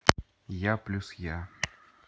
я плюс я